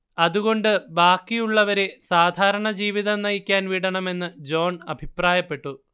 അതുകൊണ്ട് ബാക്കിയുള്ളവരെ സാധാരണജീവിതം നയിക്കാൻ വിടണമെന്ന് ജോൺ അഭിപ്രായപ്പെട്ടു